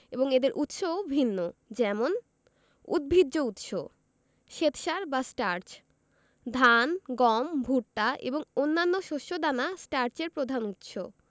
এবং এদের উৎসও ভিন্ন যেমন উদ্ভিজ্জ উৎস শ্বেতসার বা স্টার্চ ধান গম ভুট্টা এবং অন্যান্য শস্য দানা স্টার্চের প্রধান উৎস